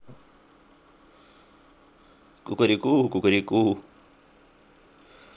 кукареку кукареку